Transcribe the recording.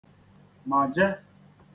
màje